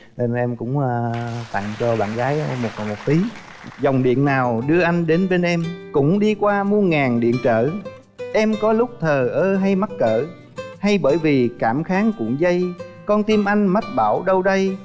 nên em cũng a tặng cho bạn gái em một tí dòng điện nào đưa anh đến bên em cũng đi qua muôn ngàn điện trở em có lúc thờ ơ hay mắc cỡ hay bởi vì cảm kháng cuộn dây con tim anh mách bảo đâu đây